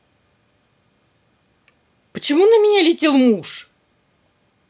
почему на меня летел муж